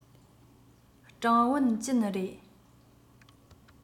ཀྲང ཝུན ཅུན རེད